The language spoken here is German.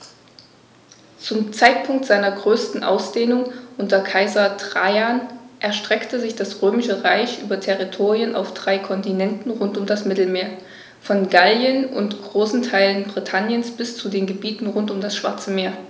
Zum Zeitpunkt seiner größten Ausdehnung unter Kaiser Trajan erstreckte sich das Römische Reich über Territorien auf drei Kontinenten rund um das Mittelmeer: Von Gallien und großen Teilen Britanniens bis zu den Gebieten rund um das Schwarze Meer.